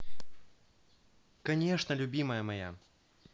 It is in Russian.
конечно любимая моя